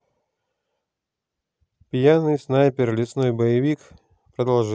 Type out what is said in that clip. пьяный снайпер лесной боевик продолжение